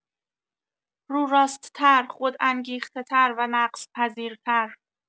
روراست‌تر خودانگیخته‌تر و نقص‌پذیرتر